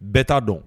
Bɛɛ t'a dɔn